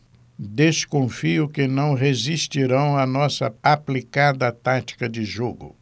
desconfio que não resistirão à nossa aplicada tática de jogo